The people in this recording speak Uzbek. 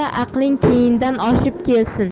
aqling keynidan oshib kelsin